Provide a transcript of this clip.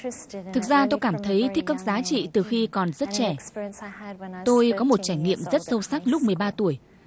thực ra tôi cảm thấy thích các giá trị từ khi còn rất trẻ tôi có một trải nghiệm rất sâu sắc lúc mười ba tuổi